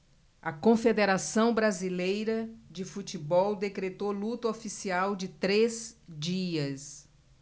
a confederação brasileira de futebol decretou luto oficial de três dias